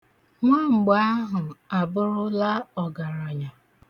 Nwamgbe ahụ abụrụla ọgaranya.